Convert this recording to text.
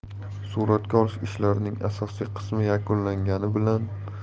suratga olish ishlarining asosiy qismi yakunlangani